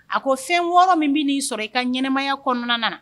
A ko fɛn wɔɔrɔ min bɛ'i sɔrɔ i ka ɲɛnɛmaya kɔnɔna na